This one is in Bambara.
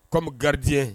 Kɔmi garijɛ